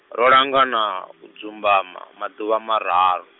ro langana, u dzumbama, maḓuvha mararu.